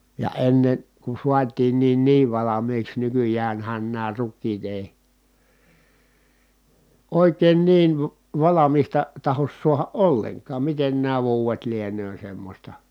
ja ennen kun saatiinkin niin valmiiksi nykyäänhän nämä rukiit ei oikein niin - valmista tahdo saada ollenkaan miten nämä vuodet lienee semmoista